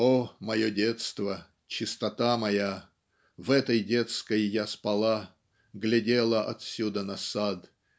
"О, мое детство, чистота моя! В этой детской я спала глядела отсюда на сад